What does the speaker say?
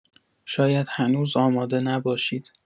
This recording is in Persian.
شاید هنوز آماده نباشید.